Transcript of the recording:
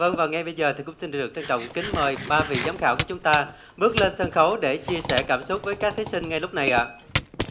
vâng và ngay bây giờ thì cũng xin được trân trọng kính mời ba vị giám khảo của chúng ta bước lên sân khấu để chia sẻ cảm xúc với các thí sinh ngay lúc này ạ